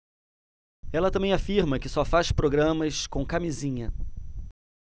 ela também afirma que só faz programas com camisinha